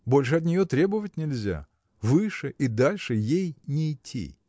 больше от нее требовать нельзя: выше и дальше ей нейти!